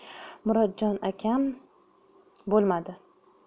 murodjon akam bo'lmadi